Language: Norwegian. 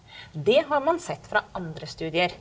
det har man sett fra andre studier.